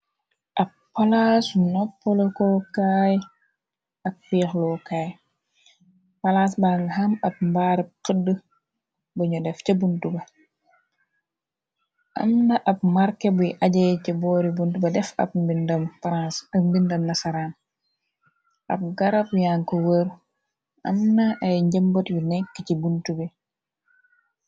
Ab palaas noppalu kookaay ak fiix lookaay palaas bangi xam ab mbaarab xëdda buñu def ci bunta ba am na ab marke buy ajee ca boori bunta u def am bindam trass ab mbindam nasaraan ab garab yanku wër am na ay njëmbat yu nekk ci buntu bi.